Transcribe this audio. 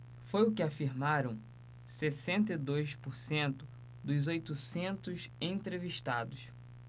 foi o que afirmaram sessenta e dois por cento dos oitocentos entrevistados